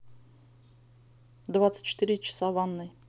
двадцать четыре часа в ванной